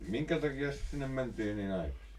minkä takia sinne mentiin niin aikaisin